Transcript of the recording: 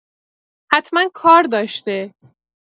حتما کار داشته.